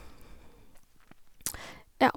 Ja.